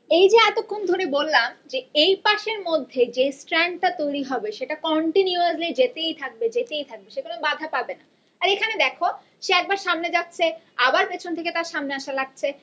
এই যে এতক্ষন ধরে বললাম যে এইপাশের মধ্যে যে স্ট্র্যান্ড টা তৈরি হবে সেটা কন্টিনিউয়াসলি যেতেই থাকবে যেতেই থাকবে সে কোন বাধা পাবে না আর এখানে দেখ সে একবার সামনে যাচ্ছে আবার পেছন থেকে তার সামনে আসা লাগছে